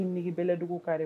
I n jigi bɛlɛdugu kare la